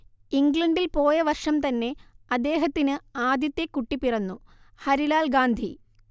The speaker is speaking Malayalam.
ഇംഗ്ലണ്ടിൽ പോയ വർഷം തന്നെ അദ്ദേഹത്തിന് ആദ്യത്തെ കുട്ടി പിറന്നു ഹരിലാൽ ഗാന്ധി